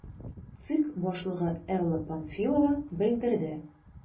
ЦИК башлыгы Элла Памфилова белдерде: